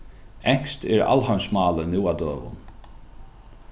enskt er alheimsmálið nú á døgum